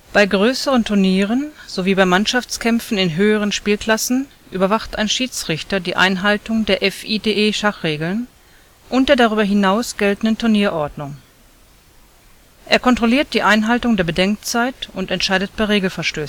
Bei größeren Turnieren sowie bei Mannschaftskämpfen in höheren Spielklassen überwacht ein Schiedsrichter die Einhaltung der FIDE-Schachregeln und der darüber hinaus geltenden Turnierordnung. Er kontrolliert die Einhaltung der Bedenkzeit und entscheidet bei Regelverstößen